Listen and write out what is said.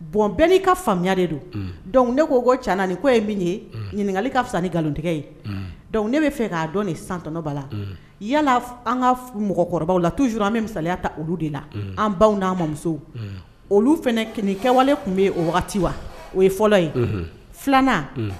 Bɔnɔn ka faamuya de don dɔnku ne ko' ko cani ni ko ye min ye ɲininkali ka fisa ni nkalontigɛ ye dɔnku ne bɛ fɛ k'a dɔn nin san tanɔnɔba la yala an ka mɔgɔkɔrɔba la tuur an masaya ta de la an baw ni'an amadumuso olu fana k kɛwale tun bɛ o wagati wa o ye fɔlɔ ye filanan